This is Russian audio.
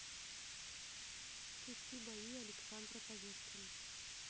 включи бои александра поветкина